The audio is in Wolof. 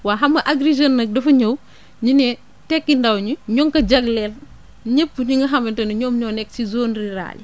waa xam nga Agri Jeunes nag dafa ñëw ñu ne Tekki ndaw ñi ñu ngi ko jagleel ñëpp ñi nga xamante ne ñoom ñoo nekk si zone rural yi